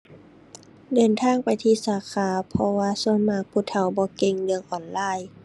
เดินทางไปที่สาขา เพราะว่าส่วนมากผู้เฒ่าบ่เก่งเรื่องออนไลน์